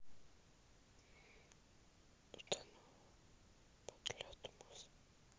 утонула под лед музыка